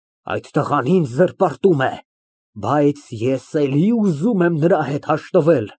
Այդ տղան ինձ զրպարտում է, բայց ես էլի ուզում եմ նրա հետ հաշտվել։